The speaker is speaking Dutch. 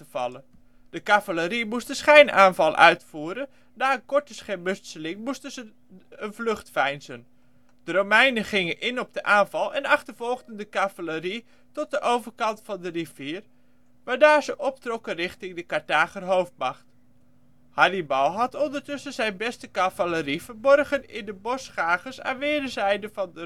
De cavalerie moest een schijnaanval uitvoeren, na een korte schermutseling moesten ze een vlucht veinzen. De Romeinen gingen in op de aanval en achtervolgden de cavalerie tot de overkant van de rivier, waarna ze optrokken richting de Carthager hoofdmacht. Hannibal had ondertussen zijn beste cavalerie verborgen in bosschages aan weerszijden van